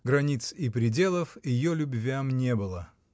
Границ и пределов ее любвям не было.